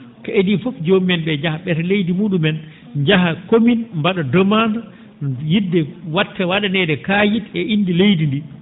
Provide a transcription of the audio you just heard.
ko adi fof jomumen ?e njaha ?eta leydi mu?umen njaha commune mba?a demande yi?de watta wa?aneede kaayit e inde leydi ndii